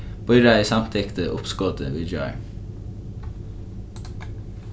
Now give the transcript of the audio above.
býráðið samtykti uppskotið í gjár